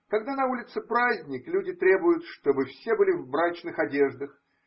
Когда на улице праздник, люди требуют, чтобы все были в брачных одеждах